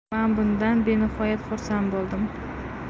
men bundan benihoyat xursand bo'ldim